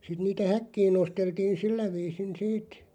sitten niitä häkkiin nosteltiin sillä viisin siitä